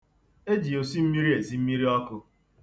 E ji osimmiri esi mmiri ọkụ.